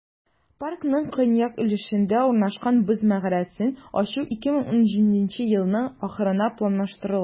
Паркның төньяк өлешендә урнашкан "Боз мәгарәсен" ачу 2017 елның ахырына планлаштырыла.